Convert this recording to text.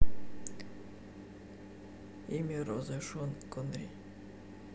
имя розы шон коннери